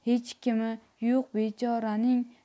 hech kimi yo'q bechoraning